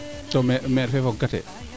to to maire fee fog katee